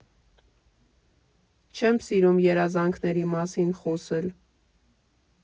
Չեմ սիրում երազանքների մասին խոսել։